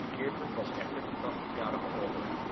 keerpunt was echter de 80-jarige oorlog